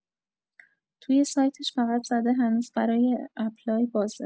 توی سایتش فقط زده هنوز برای اپلای بازه